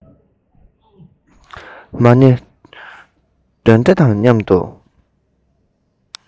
མ ཎི འདོན སྒྲ དང མཉམ དུ